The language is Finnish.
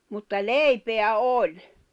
mutta leipää oli